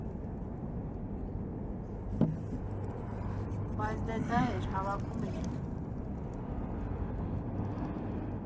Բայց դե՝ դա էր, հավաքում էինք։